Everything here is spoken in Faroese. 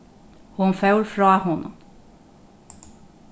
hon fór frá honum